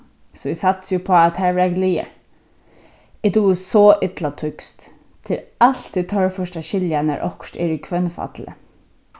so eg satsi upp á at tær verða glaðar eg dugi so illa týskt tað er altíð torført at skilja nær okkurt er í hvønnfalli